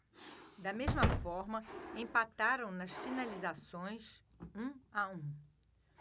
da mesma forma empataram nas finalizações um a um